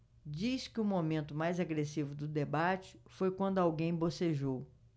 diz que o momento mais agressivo do debate foi quando alguém bocejou